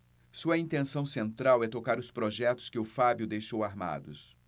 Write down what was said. sua intenção central é tocar os projetos que o fábio deixou armados